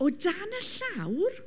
O dan y llawr.